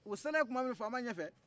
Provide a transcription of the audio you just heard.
u selen kumaminna faama ɲɛfɛ